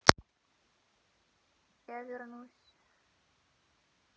я вернусь